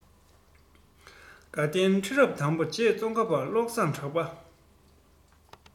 དགའ ལྡན ཁྲི རབས དང པོ རྗེ ཙོང ཁ པ བློ བཟང གྲགས པ